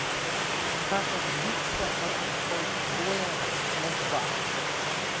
как отбиться от oldboy на два